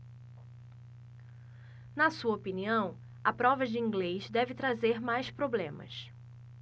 na sua opinião a prova de inglês deve trazer mais problemas